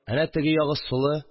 Әнә теге ягы солы